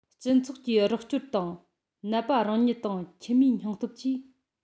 སྤྱི ཚོགས ཀྱི རོགས སྐྱོར དང ནད པ རང ཉིད དང ཁྱིམ མིའི སྙིང སྟོབས ཀྱིས